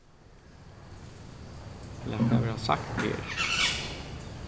lat tað vera sagt her